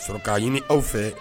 Sɔrɔ k'a ɲini aw fɛ